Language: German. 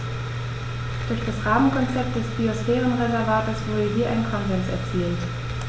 Durch das Rahmenkonzept des Biosphärenreservates wurde hier ein Konsens erzielt.